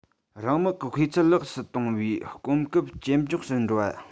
རང དམག གི སྤུས ཚད ལེགས སུ གཏོང བའི གོམ སྟབས ཇེ མགྱོགས སུ འགྲོ བ